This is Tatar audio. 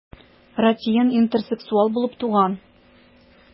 Ратьен интерсексуал булып туган.